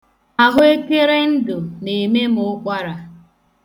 Ahụekere ndụ na-eme m ụkwara.